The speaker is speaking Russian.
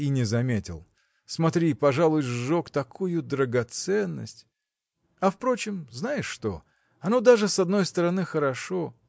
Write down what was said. и не заметил; смотри, пожалуй, сжег такую драгоценность. А впрочем, знаешь что? оно даже, с одной стороны, хорошо.